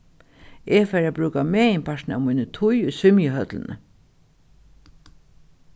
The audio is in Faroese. eg fari at brúka meginpartin av míni tíð í svimjihøllini